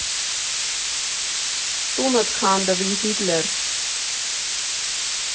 Տունդ քանդվի Հիտլեր։